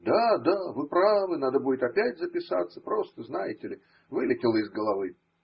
Да, да, вы правы, надо будет опять записаться, просто, знаете ли, вылетело из головы.